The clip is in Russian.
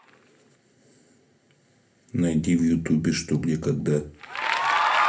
найди в ютубе что где когда